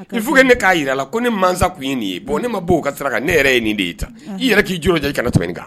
Il faut que ne k'a jira la ko ne mansa tun ye nin ye bon ne ma b'o ka sira kan ne yɛrɛ ye nin de ye tan i yɛrɛ k'i jɔ dɛ i kana tɛmɛ ni kan